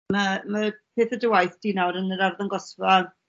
ma' ma' pethe o dy waith di nawr yn yr arddangosfa